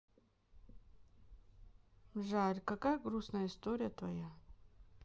жаль какая грустная история твоя